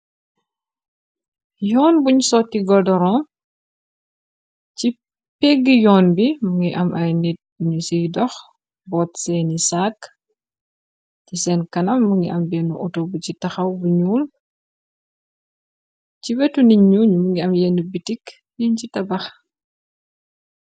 Yoon buñ sokti goldoron, ci pégg yoon bi mungi am ay nit ñu ciy dox, boot seeni sakk, ci seen kanam mu ngi am bennu autobu ci taxaw bu ñuul, ci wetu nit ñu ñumu ngi am yenn bitikk, yuñ ci tabax.